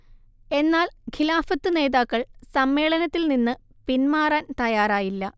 എന്നാൽ ഖിലാഫത്ത് നേതാക്കൾ സമ്മേളനത്തിൽ നിന്ന് പിന്മാറാൻ തയാറായില്ല